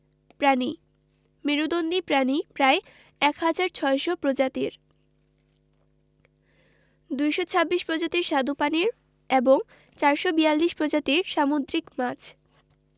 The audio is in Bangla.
প্রাণীঃ মেরুদন্ডী প্রাণী প্রায় ১হাজার ৬০০ প্রজাতির ২২৬ প্রজাতির স্বাদু পানির এবং ৪৪২ প্রজাতির সামুদ্রিক মাছ